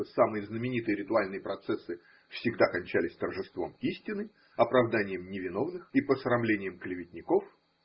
что самые знаменитые ритуальные процессы всегда кончались торжеством истины, оправданием невиновных и посрамлением клеветников.